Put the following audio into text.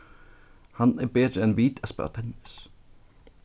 hann er betri enn vit at spæla tennis